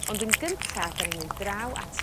Gnd yn gynta 'dan ni'n mynd draw at...